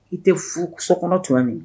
I tɛ so kɔnɔ tuma min